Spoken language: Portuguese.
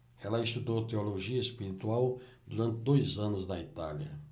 ela estudou teologia espiritual durante dois anos na itália